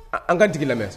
An ka nin tigi lamɛn